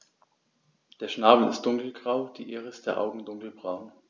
Der Schnabel ist dunkelgrau, die Iris der Augen dunkelbraun.